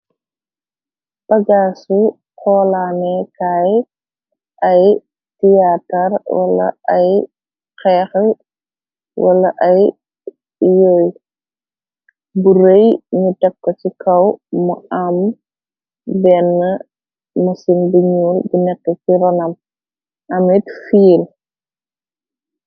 Bagaasu xoolaanekaay, ay téyatar wala ay xeex, wala ay yey, bu rëy ñu takko ci kaw, mu am benne mësin bu ñuul bu nekk ci ronam, amit fiil.